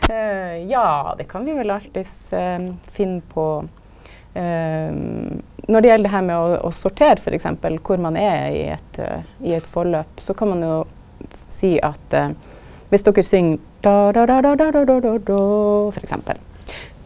ja det kan vi vel alltids finna på når det gjeld det her med å å sortera f.eks. kor ein er i eit i eit forløp så kan ein jo seia at viss dokkar syng for eksempel.